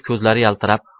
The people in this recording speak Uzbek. ko'zlari yaltirab